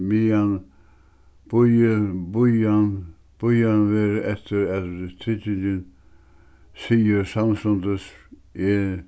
meðan bíði bíðan bíðan verður eftir at tryggingin siga samstundis er